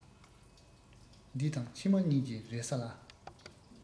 འདི དང ཕྱི མ གཉིས ཀྱི རེ ས ལ